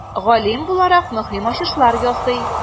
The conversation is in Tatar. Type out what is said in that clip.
Галим буларак, мөһим ачышлар ясый.